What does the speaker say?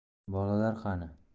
bolalar qani